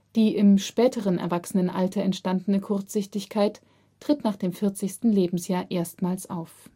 Die im späten Erwachsenalter entstandene Kurzsichtigkeit tritt nach dem 40. Lebensjahr erstmals auf